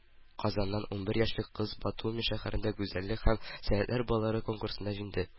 Казаннан ун бер яшьлек кыз Батуми шәһәрендә гүзәллек һәм сәләтләр балалар конкурсында җиңде